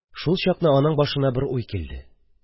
Шул чакны аның башына бер уй килде.